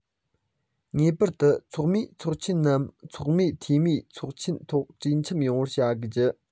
ངེས པར དུ ཚོགས མིའི ཚོགས ཆེན ནམ ཚོགས མིའི འཐུས མིའི ཚོགས ཆེན ཐོག གྲོས འཆམ ཡོང བ བྱ རྒྱུ